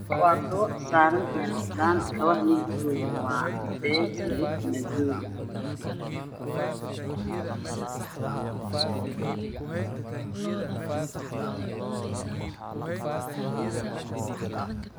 Wax kabo saaran meel caddaana kabaha kalarkoodu waa caddaan iyo madow